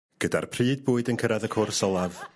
Gyda'r pryd bwyd yn cyrradd y cwrs olaf